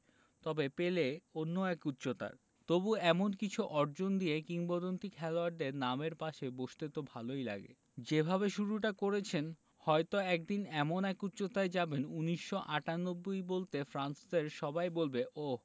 তবে পেলে অন্য এক উচ্চতার তবু এমন কিছু অর্জন দিয়ে কিংবদন্তি খেলোয়াড়দের নামের পাশে বসতে তো ভালোই লাগে যেভাবে শুরুটা করেছেন হয়তো একদিন এমন এক উচ্চতায় যাবেন ১৯৯৮ বলতে ফ্রান্সের সবাই বলবে ওহ্